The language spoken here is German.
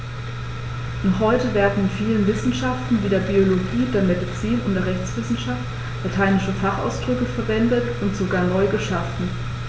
Noch heute werden in vielen Wissenschaften wie der Biologie, der Medizin und der Rechtswissenschaft lateinische Fachausdrücke verwendet und sogar neu geschaffen.